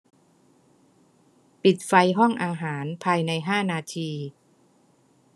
ปิดไฟห้องอาหารภายในห้านาที